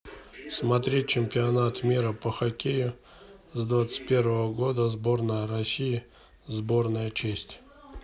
смотреть чемпионат мира по хоккею с двадцать первого года сборная россии сборная честь